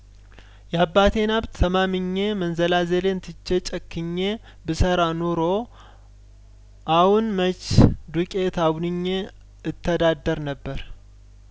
ያባቴን ሀብት ተማምኜ መንዘላዘሌን ትቼ ጨክኜ ብሰራ ኑሮ አሁን መች ዱቄት አቡንኜ እተዳደር ነበር